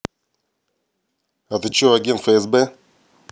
а ты че агент фсб